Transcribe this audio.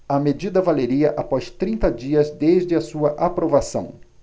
a medida valeria após trinta dias desde a sua aprovação